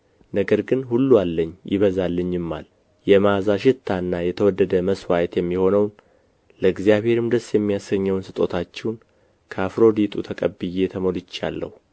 ነገር ግን ሁሉ አለኝ ይበዛልኝማል የመዓዛ ሽታና የተወደደ መሥዋዕት የሚሆነውን ለእግዚአብሔርም ደስ የሚያሰኘውን ስጦታችሁን ከአፍሮዲጡ ተቀብዬ ተሞልቼአለሁ